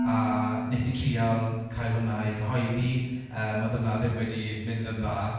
A wnes i trial cael hwnna i cyhoeddi, yym oedd hwnna ddim wedi mynd yn dda.